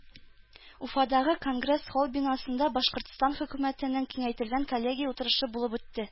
Уфадагы Конгресс-холл бинасында Башкортстан хөкүмәтенең киңәйтелгән коллегия утырышы булып үтте